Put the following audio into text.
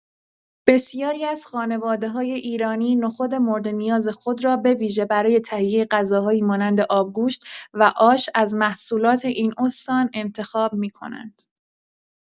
بسیاری از خانواده‌های ایرانی نخود مورد نیاز خود را به‌ویژه برای تهیه غذاهایی مانند آبگوشت و آش از محصولات این استان انتخاب می‌کنند.